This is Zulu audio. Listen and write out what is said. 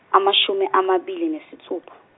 amashumi amabili nesithupha.